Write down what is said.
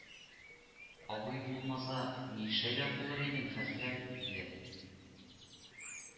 Абый булмаса ни эшләгән булыр идең, хәсрәт, — диде